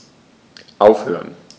Aufhören.